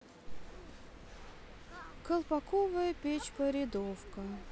колпаковая печь порядовка